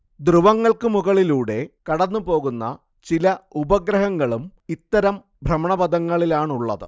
ധ്രുവങ്ങൾക്കു മുകളിലൂടെ കടന്നുപോകുന്ന ചില ഉപഗ്രഹങ്ങളും ഇത്തരം ഭ്രമണപഥങ്ങളിലാണുള്ളത്